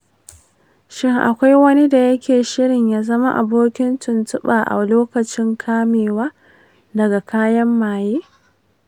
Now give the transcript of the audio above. shin akwai wani da yake shirye ya zama abokin tuntuɓa a lokacin kamewa daga kayan maye?